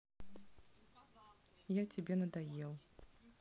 я тебе надоел